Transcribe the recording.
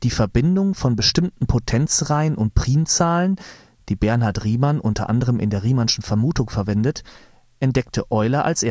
Verbindung von bestimmten Potenzreihen und Primzahlen, die Bernhard Riemann unter anderem in der Riemannschen Vermutung verwendet, entdeckte Euler als